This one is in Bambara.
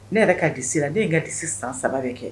Ne yɛrɛ ka di la ne n ka di san saba kɛ